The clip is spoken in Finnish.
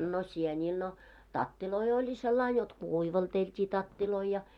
no sienille no tatteja oli sillä lailla jotta kuivalteltiin tatteja ja